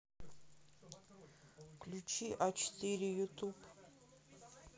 включи а четыре ютуб